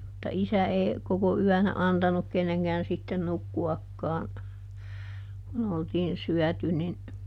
mutta isä ei koko yönä antanut kenenkään sitten nukkuakaan kun oltiin syöty niin